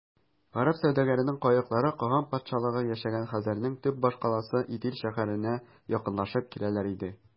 Гарәп сәүдәгәренең каеклары каган патшалыгы яшәгән хәзәрнең төп башкаласы Итил шәһәренә якынлашып киләләр иде.